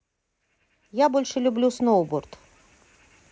а я больше люблю сноуборд